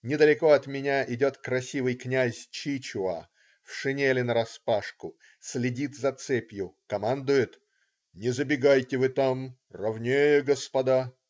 Недалеко от меня идет красивый князь Чичуа, в шинели нараспашку, следит за цепью, командует: "Не забегайте вы там! ровнее, господа".